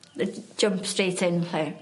yy j- jump straight in 'lly.